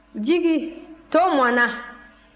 jigi to mɔna